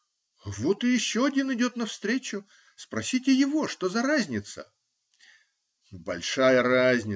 -- Вот и еще один идет навстречу, спросите его. Что за разница? -- Большая разница.